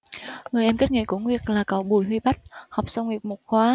người em kết nghĩa của nguyệt là cậu bùi huy bách học sau nguyệt một khóa